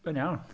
Mae'n iawn.